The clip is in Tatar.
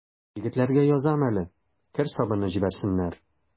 Егетләргә язам әле: кер сабыны җибәрсеннәр.